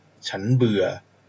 ฉันเบื่อ